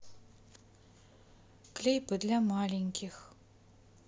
клипы для маленьких